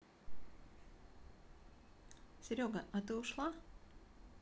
серега а ты ушла